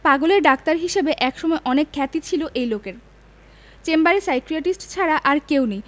পাগলের ডাক্তার হিসেবে একসময় অনেক খ্যাতি ছিল এই লোকের চেম্বারে সাইকিয়াট্রিস্ট ছাড়া আর কেউ নেই